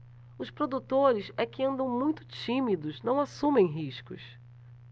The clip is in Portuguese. os produtores é que andam muito tímidos não assumem riscos